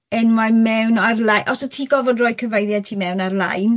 enwau mewn ar-le-... Os w' ti gorfod roi cyfeiriad ti mewn ar-lein